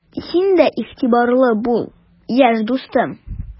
Син дә игътибарлы бул, яшь дустым!